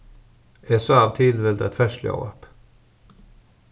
eg sá av tilvild eitt ferðsluóhapp